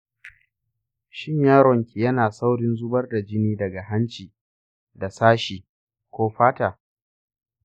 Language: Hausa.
shin yaron ki yana saurin zubar da jini daga hanci, dasashi, ko fata?